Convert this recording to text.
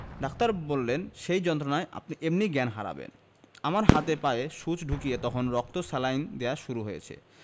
doctor বললেন সেই যন্ত্রণায় আপনি এমনি জ্ঞান হারাবেন আমার হাতে পায়ে সুচ ঢুকিয়ে তখন রক্ত স্যালাইন দেওয়া শুরু হয়েছে